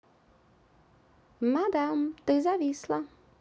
мадам ты зависла